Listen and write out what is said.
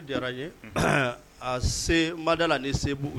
Ye a mada la ni se